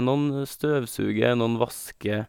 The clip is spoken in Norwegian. Noen støvsuger, noen vasker.